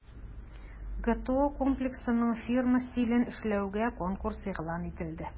ГТО Комплексының фирма стилен эшләүгә конкурс игълан ителде.